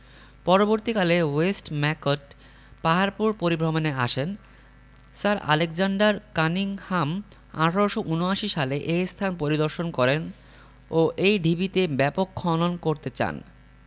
পরবর্তীকালে ওয়েস্টম্যাকট পাহাড়পুর পরিভ্রমণে আসেন স্যার আলেকজান্ডার কানিংহাম ১৮৭৯ সালে এ স্থান পরিদর্শন করেন ও এই ঢিবিতে ব্যাপক খনন করতে চান